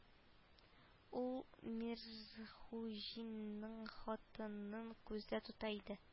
Ул мирхуҗинның хатынын күздә тота иде